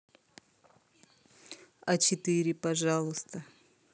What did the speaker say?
а четыре пожалуйста